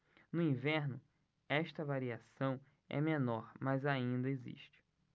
no inverno esta variação é menor mas ainda existe